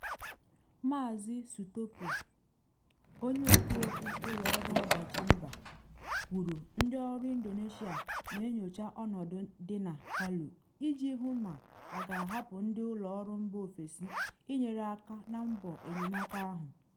Maazị Sutopo, onye okwu okwu ụlọ ọrụ ọdachi mba, kwuru ndị ọrụ Indonesia na enyocha ọnọdụ dị na Palu iji hụ ma a ga-ahapụ ndị ụlọ ọrụ mba ofesi ịnyere aka na mbọ enyemaka ahụ.